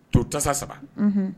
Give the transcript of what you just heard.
To tasa saba